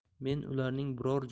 men ularning biror